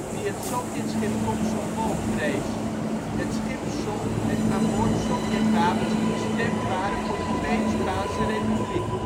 die het Sovjet-schip Komsomol prees. Het schip zonk met aan boord Sovjetwapens die bestemd waren voor de Tweede Spaanse Republiek